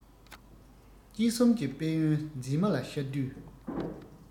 དཔྱིད གསུམ གྱི དཔལ ཡོན འཛིན མ ལ ཤར དུས